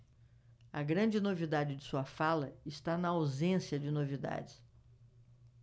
a grande novidade de sua fala está na ausência de novidades